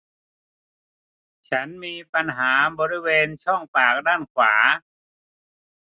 ฉันมีปัญหาบริเวณช่องปากด้านขวา